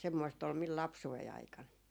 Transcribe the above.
semmoista oli minun lapsuuteni aikana